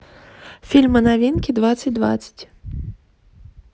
фильмы новинки двадцать двадцать